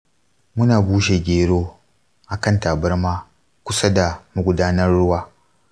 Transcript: muna bushe gero a kan tabarma kusa da magudanar ruwa.